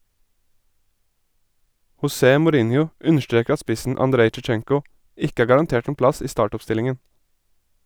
José Mourinho understreker at spissen Andrej Sjevtsjenko ikke er garantert en plass i startoppstillingen.